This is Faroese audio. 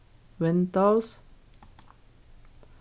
windows